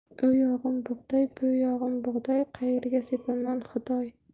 u yog'im bug'doy bu yog'im bug'doy qayerga sepaman xudoy